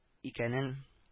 Икәнен